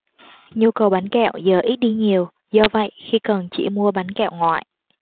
nhu cầu bánh kẹo giờ ít đi nhiều do vậy khi cần chỉ mua bánh kẹo ngoại